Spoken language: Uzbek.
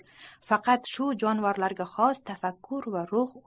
faqat shu jonivorlarga xos tafakkur va ruh